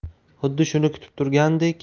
xuddi shuni kutib turgandek